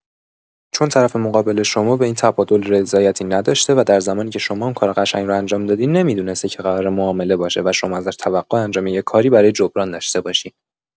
چون طرف مقابل شما به این تبادل رضایتی نداشته و در زمانی که شما اون کار قشنگ رو انجام دادین نمی‌دونسته که قراره معامله باشه و شما ازش توقع انجام یه کاری برای جبران داشته باشین.